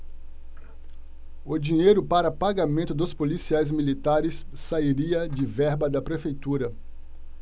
o dinheiro para pagamento dos policiais militares sairia de verba da prefeitura